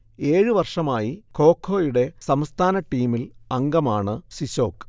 ഏഴു വർഷമായി ഖോഖൊയുടെ സംസ്ഥാന ടീമിൽ അംഗമാണു ശിശോക്